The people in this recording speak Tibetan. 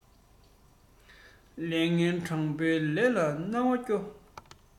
ལས ངན སྤྲང པོའི ལས ལ སྣང བ སྐྱོ